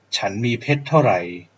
ฉันมีเพชรเท่าไร